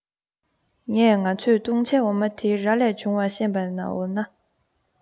ངས ང ཚོས བཏུང བྱའི འོ མ དེ ར ལས བྱུང བ ཤེས པས ན འོ ན